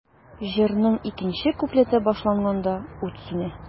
Җырның икенче куплеты башланганда, ут сүнә.